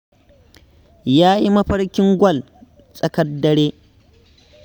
Ya yi mafarkin gwal tsakar dare.